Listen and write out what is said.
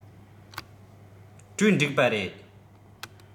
གྲོས འགྲིག པ རེད